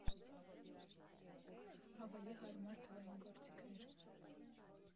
Ավելի հարմար թվային գործիքներ։